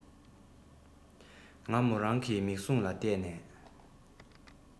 ངས མོ རང གི མིག གཟུངས ལ ལྟས ནས